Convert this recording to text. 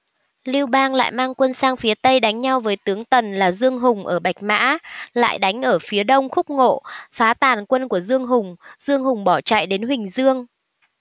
lưu bang lại mang quân sang phía tây đánh nhau với tướng tần là dương hùng ở bạch mã lại đánh ở phía đông khúc ngộ phá tàn quân của dương hùng dương hùng bỏ chạy đến huỳnh dương